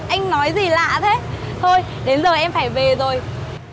anh nói gì lạ thế thôi đến giờ em phải về rồi